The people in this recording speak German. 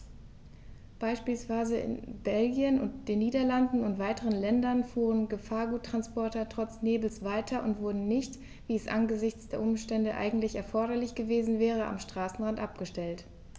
Beispielsweise in Belgien, den Niederlanden und weiteren Ländern fuhren Gefahrguttransporter trotz Nebels weiter und wurden nicht, wie es angesichts der Umstände eigentlich erforderlich gewesen wäre, am Straßenrand abgestellt.